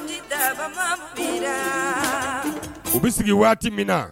U bɛ sigi waati min na.